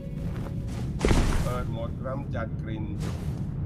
เปิดโหมดกำจัดกลิ่น